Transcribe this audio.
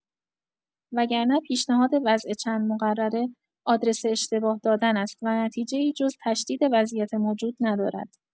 وگرنه، پیشنهاد وضع چند مقرره، آدرس اشتباه دادن است و نتیجه‌ای جز تشدید وضعیت موجود ندارد.